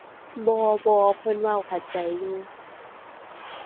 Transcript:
บ่ บ่ เพิ่นเว้าเข้าใจอยู่